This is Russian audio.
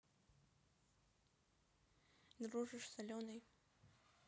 дружишь с аленой